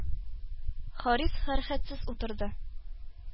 Харис хәрәкәтсез утырды.